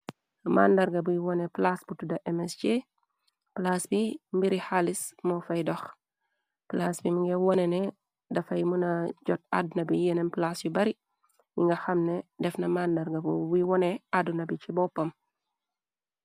Màndarga buy wone palaas bu tuda MSJ, palas bi mbiri halis moo fay dox, palas bi minga wone ne dafay mëna jot àdduna bi, yeneen palaas yu bari yi nga xam ne defna màndarga bum, buy wone àdduna bi ci boppam.